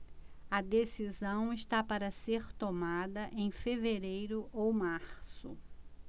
a decisão está para ser tomada em fevereiro ou março